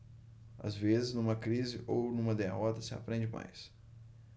às vezes numa crise ou numa derrota se aprende mais